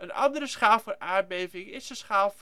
andere schaal voor aardbevingen is de schaal